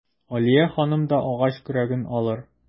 Алия ханым да агач көрәген алыр.